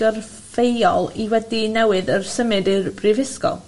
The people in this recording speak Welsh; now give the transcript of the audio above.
gyrfeuol i wedi newydd ers symud i'r Brifysgol